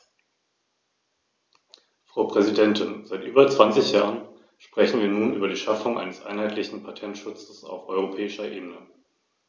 Der Bericht, den wir heute behandeln, hat im Grunde genommen keine großen Erneuerungen zur Folge, da die meisten Abänderungsanträge rein technischer Natur sind.